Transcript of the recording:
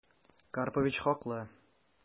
Карпович хаклы...